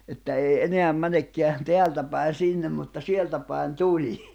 että ei enää menekään täältä päin sinne mutta sieltä päin tulee